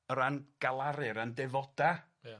o ran galaru, o ran defoda'